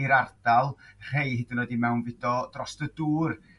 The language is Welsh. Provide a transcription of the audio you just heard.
i'r ardal rhei hyd 'n oed wedi mewnfudo dros y dŵr